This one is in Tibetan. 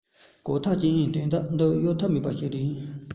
གོ ཐའེ ཅུན ཨན དོན དག འདི གཡོལ ཐབས མེད པ ཞིག རེད